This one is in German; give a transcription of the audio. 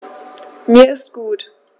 Mir ist gut.